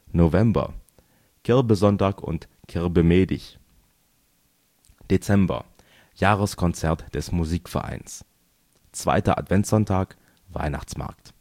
November: Kirbesonntag und „ Kirbemeedich “Dezember: Jahreskonzert des Musikvereins 2. Adventssonntag: Weihnachtsmarkt